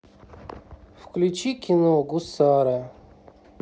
включи кино гусары